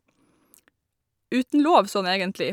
Uten lov, sånn egentlig.